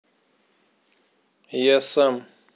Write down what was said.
я сам